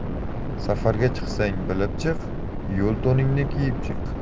safarga chiqsang bilib chiq yo'l to'ningni kiyib chiq